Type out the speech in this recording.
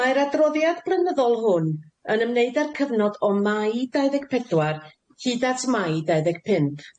Mae'r adroddiad blynyddol hwn yn ymwneud â'r cyfnod o Mai dau ddeg pedwar hyd at Mai dau ddeg pump.